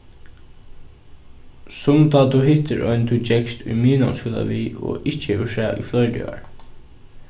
sum tá tú hittir ein tú gekst í miðnámsskúla við og ikki hevur sæð í fleiri ár